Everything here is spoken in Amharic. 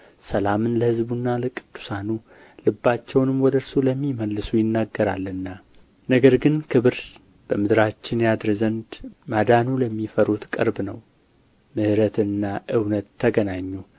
ሰላምን ለሕዝቡና ለቅዱሳኑ ልባቸውንም ወደ እርሱ ለሚመልሱ ይናገራልና ነገር ግን ክብር በምድራችን ያድር ዘንድ ማዳኑ ለሚፈሩት ቅርብ ነው ምሕረትና እውነት ተገናኙ